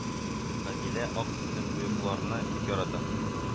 Гадилә ак төнбоекларны бик ярата